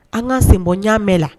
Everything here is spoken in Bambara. An ka senbon' mɛn la